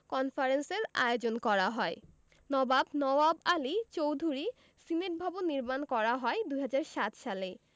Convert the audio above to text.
কনফারেন্সের আয়োজন করা হয় নবাব নওয়াব আলী চৌধুরী সিনেটভবন নির্মাণ করা হয় ২০০৭ সালে